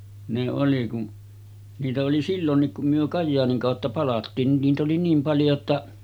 ne oli kun niitä oli silloinkin kun me Kajaanin kautta palattiin niin niitä oli niin paljon jotta